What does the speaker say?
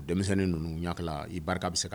Denmisɛnnin ninnu ɲaka i barika bɛ segin